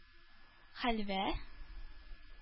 Хәлвә